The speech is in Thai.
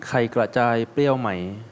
ไข่กระจายเปรี้ยวไหม